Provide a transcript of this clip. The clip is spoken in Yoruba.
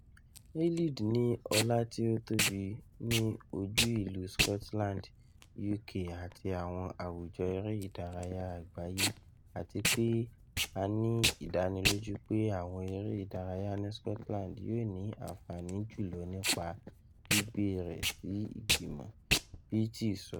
"Eilidh ni ọlá ti o tobi ni oju ilu Scotland, UK ati awọn awujọ ere-idaraya agbaye ati pe a ni idaniloju pe awọn ere-idaraya ni Scotland yoo ni anfani julọ nipa gbigbe rẹ si igbimọ," Beattie sọ.